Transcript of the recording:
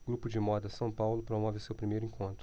o grupo de moda são paulo promove o seu primeiro encontro